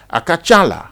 A ka ca a la